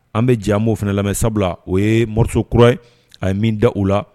An bɛ jan mo fana lamɛn sabula o ye moriso kura ye a ye min da u la